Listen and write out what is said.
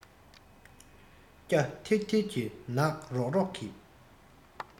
སྐྱ ཐེར ཐེར གྱི ནག རོག རོག གི